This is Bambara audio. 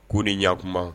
K' ni ɲakuma